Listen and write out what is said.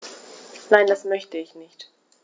Nein, das möchte ich nicht.